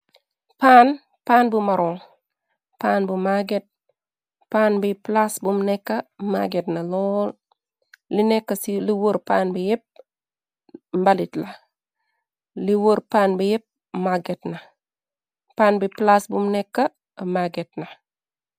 Paan paan bu maroon paan bu magget pann bi plaas bum nekka magget na lool li nekk ci li wor paan bi yépp mbalit la li woor paan bi yépp magget na paan bi plaas bum nekka magget na.